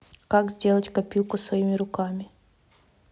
как сделать копилку своими руками